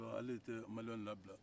ko ale te maliyenw labila